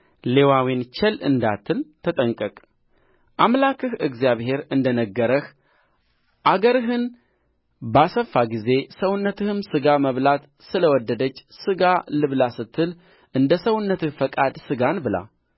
ሌዋዊውን ቸል እንዳትል ተጠንቀቅ አምላክህ እግዚአብሔር እንደ ነገረህ አገርህን ባሰፋ ጊዜ ሰውነትህም ሥጋ መብላት ስለ ወደደች ሥጋ ልብላ ስትል እንደ ሰውነትህ ፈቃድ ሥጋን ብላ